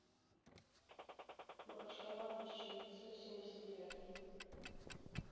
махачкала тысяча девятьсот семьдесят девятый